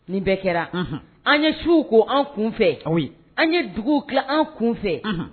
Ni bɛɛ kɛra an ye suw k ko an kun fɛ an ye dugu tila an kun fɛ